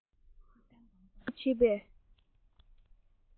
ཁ རྩོད དང འཛིང རེས བྱེད ནས